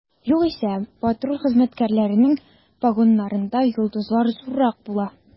Югыйсә, патруль хезмәткәрләренең погоннарындагы йолдызлар зуррак була.